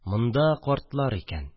Монда – картлар икән